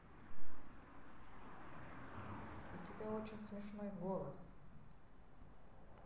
у тебя очень смешной голос